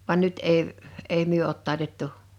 vaan nyt ei ei me ole taitettu